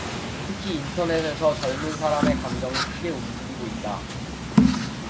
특히 인터넷에서 젊은 사람의 감정이 크게 움직이고 있다